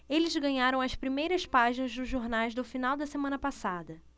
eles ganharam as primeiras páginas dos jornais do final da semana passada